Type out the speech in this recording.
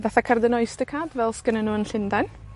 fatha cerdyn, Oyster Card fel sgennyn nw yn Llunden.